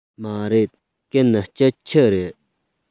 མ རེད གན སྐྱིད ཆུ རེད